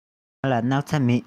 ང ལ སྣག ཚ མེད